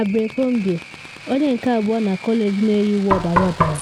Abercrombie, onye nke abụọ na kọleji na eyi uwe ọbara ọbara,